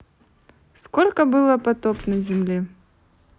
сколько было потоп на земле